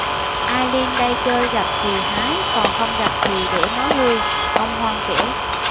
ai lên đây chơi gặp thì hái còn không gặp thì để nó hư ông hoan kể